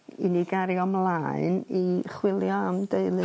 i ni gario mlaen i chwilio am deulu...